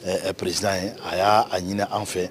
Ɛ peresiinaa ye a y'a ɲinin anw fɛ